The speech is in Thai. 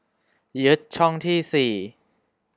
ยึดช่องที่สี่